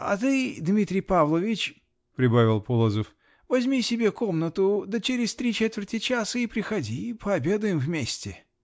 А ты, Дмитрий Павлович, -- прибавил Полозов, -- возьми себе комнату да через три четверти часа и приходи. Пообедаем вместе.